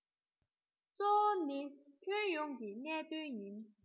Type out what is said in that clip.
གཙོ བོ ནི ཁྱོན ཡོངས ཀྱི གནད དོན ཡིན